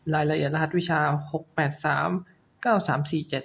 รายละเอียดรหัสวิชาหกแปดสามเก้าสามสี่เจ็ด